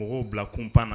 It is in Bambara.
Mɔgɔw' bila kun pan na